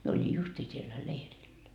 minä olin justiin siellä leirillä